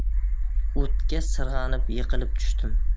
o'tga sirg'anib yiqilib tushdim